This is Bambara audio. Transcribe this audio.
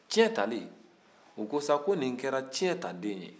cɛntali u ko sa ko nin kɛra cɛntaden ye